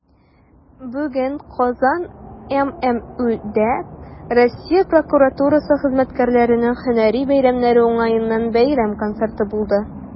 Бүген "Казан" ММҮдә Россия прокуратурасы хезмәткәрләренең һөнәри бәйрәмнәре уңаеннан бәйрәм концерты булды.